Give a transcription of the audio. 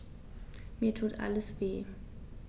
Mir tut alles weh.